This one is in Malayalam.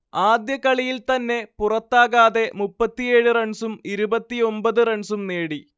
ആദ്യ കളിയിൽ തന്നെ പുറത്താകാതെ മുപ്പത്തിയേഴ് റൺസും ഇരുപത്തിയൊമ്പത് റൺസും നേടി